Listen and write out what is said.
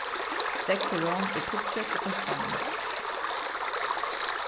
steðgurin er tíggju til fimtan minuttir